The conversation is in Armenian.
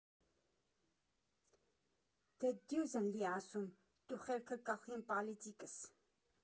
֊ Դե դյուզըն լի ասում, տու խելքը կլխին պալիծիկըս։